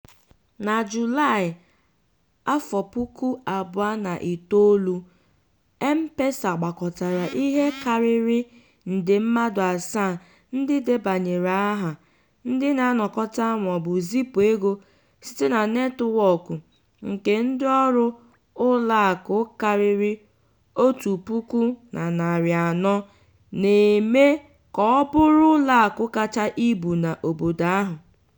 Na Julaị 2009 M-Pesa gbakọtara ihe karịrị nde mmadụ asaa ndị debanyere aha, ndị na-anakọta maọbụ zipụ ego site na netwọk nke ndịọrụ ụlọakụ karịrị 1400, na-eme ka ọ bụrụ ụlọakụ kacha ibu n'obodo ahụ.